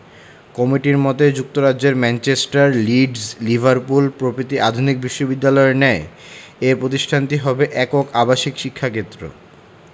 কমিটির মতে যুক্তরাজ্যের ম্যানচেস্টার লিডস লিভারপুল প্রভৃতি আধুনিক বিশ্ববিদ্যালয়ের ন্যায় এ প্রতিষ্ঠানটি হবে একক আবাসিক শিক্ষাক্ষেত্র